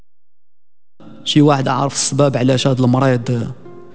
في واحد اعرف سباب علاجات للمريض